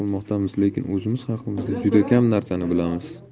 lekin o'zimiz haqimizda juda kam narsani bilamiz